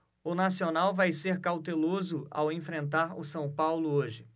o nacional vai ser cauteloso ao enfrentar o são paulo hoje